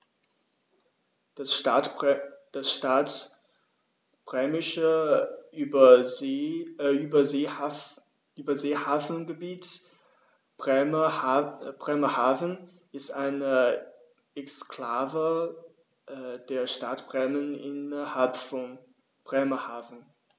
Das Stadtbremische Überseehafengebiet Bremerhaven ist eine Exklave der Stadt Bremen innerhalb von Bremerhaven.